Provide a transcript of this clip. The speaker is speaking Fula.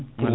wallay